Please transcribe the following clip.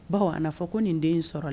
Baw a fɔ ko nin den sɔrɔ